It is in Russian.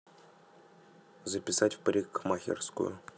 записать в парикмахерскую